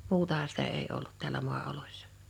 muutahan sitä ei ollut täällä maaoloissa